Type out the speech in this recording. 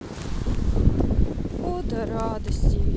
ода радости